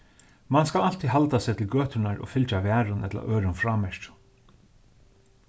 mann skal altíð halda seg til gøturnar og fylgja varðum ella øðrum frámerkjum